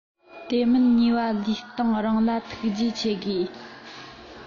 དེ མིན ཉེས པ ལུས སྟེང རང ལ ཐུགས རྗེ ཆེ དགོས